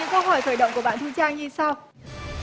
những câu hỏi khởi động của bạn thu trang như sau